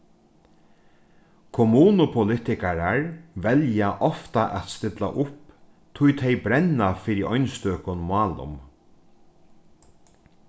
kommunupolitikarar velja ofta at stilla upp tí tey brenna fyri einstøkum málum